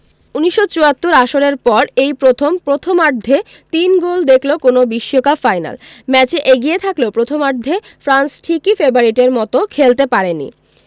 ১৯৭৪ আসরের পর এই প্রথম প্রথমার্ধে তিন গোল দেখল কোনো বিশ্বকাপ ফাইনাল ম্যাচে এগিয়ে থাকলেও প্রথমার্ধে ফ্রান্স ঠিক ফেভারিটের মতো খেলতে পারেনি